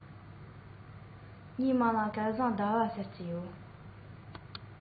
སྐབས དེར ཐག རིང ནས ཕྱིར ལོག པའི གྲུ གཟིངས ཆེན པོ མཚོ འགྲམ དུ སླེབས པ མཐོང ཚེ